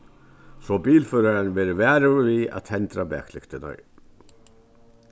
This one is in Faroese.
so bilførarin verður varugur við at tendra baklyktirnar